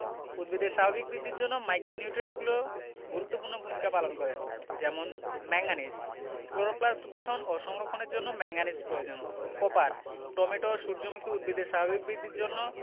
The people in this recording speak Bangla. উদ্ভিদের স্বাভাবিক বিদ্ধির জন্য মাইক্রোনিউট্রিয়েনগুলো গুরুত্বপূর্ণ ভূমিকা পালন করে যেমন ম্যাংগানিজ ক্লোরোপ্লাস্ট গঠন ও সংরক্ষণের জন্য ম্যাংগানিজ প্রয়োজন কপার টমেটো সূর্যমুখী উদ্ভিদের স্বাভাবিক বিদ্ধির জন্য